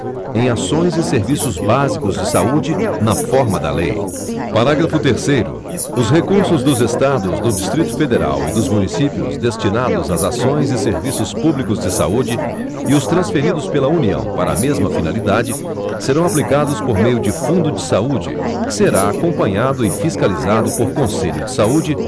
em ações e serviços básicos de saúde na forma da lei parágrafo terceiro os recursos dos estados do distrito federal e dos municípios destinados às ações e serviços públicos de saúde e os transferidos pela união para a mesma finalidade serão aplicados por meio de fundo de saúde que será acompanhado e fiscalizado por conselho de saúde